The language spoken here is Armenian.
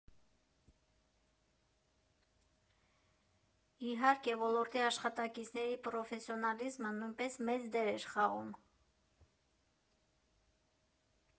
Իհարկե, ոլորտի աշխատակիցների պրոֆեսիոնալիզմը նույնպես մեծ դեր էր խաղում։